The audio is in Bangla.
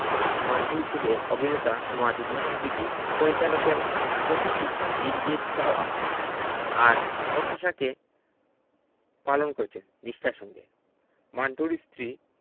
মান্টো হিসেবে অভিনেতা নওয়াজুদ্দিন সিদ্দিকী পরিচালকের পতিটি ইঙ্গিত চাওয়া আর পত্যাশাকে পালন করেছেন নিষ্ঠার সঙ্গে মান্টোর স্ত্রী